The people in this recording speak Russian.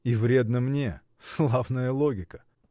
— И вредно мне: славная логика!